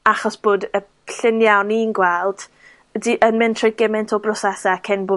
achos bod y llunie o'n i'n gweld yy 'di... Yn mynd trwy gymynt o brosese cyn bo'